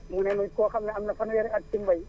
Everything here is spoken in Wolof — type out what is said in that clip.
ñii nee nañ koo xam ne am na fanweeri at si mbay